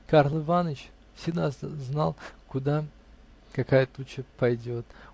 Карл Иваныч всегда знал, куда какая туча пойдет